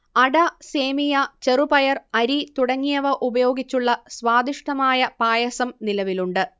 അട സേമിയ ചെറുപയർ അരി തുടങ്ങിയവ ഉപയോഗിച്ചുള്ള സ്വാദിഷ്ഠമായ പായസം നിലവിലുണ്ട്